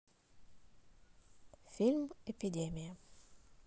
фильм эпидемия